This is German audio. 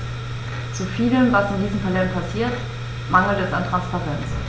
Zu vielem, was in diesem Parlament passiert, mangelt es an Transparenz.